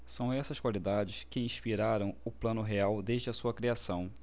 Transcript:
são essas qualidades que inspiraram o plano real desde a sua criação